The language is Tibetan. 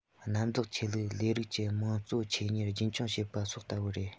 གནམ བདག ཆོས ལུགས ལས རིགས ཀྱིས དམངས གཙོས ཆོས གཉེར རྒྱུན འཁྱོངས བྱས པ སོགས ལྟ བུ རེད